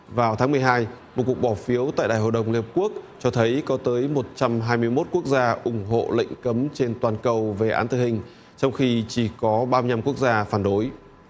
vào tháng mười hai một cuộc bỏ phiếu tại đại hội đồng hiệp quốc cho thấy có tới một trăm hai mươi mốt quốc gia ủng hộ lệnh cấm trên toàn cầu về án tử hình trong khi chỉ có ba mươi nhăm quốc gia phản đối